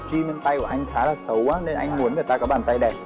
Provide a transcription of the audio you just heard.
ghim nên tay của anh khá là xấu á nên anh muốn người ta có bàn tay đẹp